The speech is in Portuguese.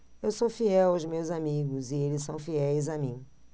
eu sou fiel aos meus amigos e eles são fiéis a mim